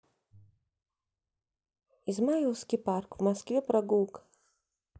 измайловский парк в москве прогулка